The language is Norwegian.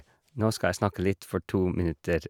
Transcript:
Nå skal jeg snakke litt for to minutter.